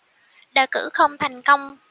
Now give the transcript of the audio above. đề cử không thành công